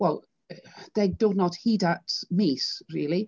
Wel, deg diwrnod hyd at mis rili.